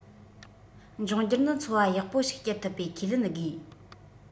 འབྱུང འགྱུར ནི འཚོ བ ཡག པོ ཞིག སྐྱེལ ཐུབ པའི ཁས ལེན དགོས